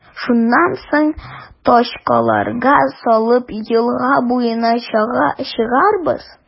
Шуннан соң, тачкаларга салып, елга буена чыгарабыз.